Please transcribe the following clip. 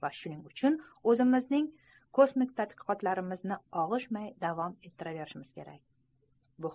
va shuning uchun o'zimning kosmik tadqiqotlarimni og'ishmay davom ettiraveraman